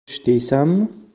urush deysanmi